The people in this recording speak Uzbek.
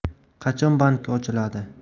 qachon bank ochiladi